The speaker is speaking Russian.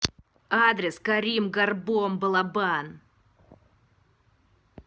адрес карим горбом балабан